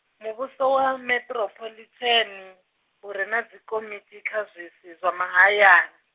muvhuso wa meṱirophoḽitheni, u ri na dzikomiti kha zwisi zwa mahaya-.